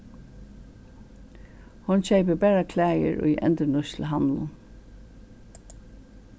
hon keypir bara klæðir í endurnýtsluhandlum